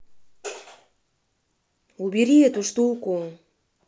убери эту штуку